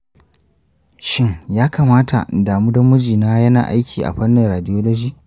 shin ya kamata in damu dan mijina yana aiki a fannin radiology?